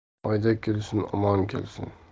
oyda kelsin omon kelsin